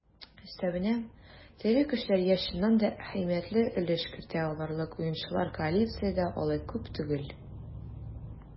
Өстәвенә, тере көчләргә чыннан да әһәмиятле өлеш кертә алырлык уенчылар коалициядә алай күп түгел.